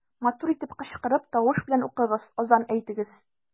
Матур итеп кычкырып, тавыш белән укыгыз, азан әйтегез.